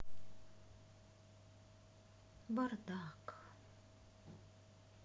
бардак